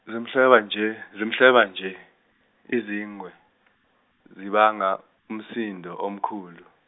zimhleba nje, zimhleba nje, izingwe, zibanga umsindo omkhulu.